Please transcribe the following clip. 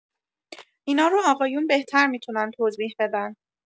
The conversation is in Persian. اینا رو آقایون بهتر می‌تونن توضیح بدن